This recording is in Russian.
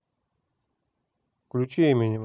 включи эминема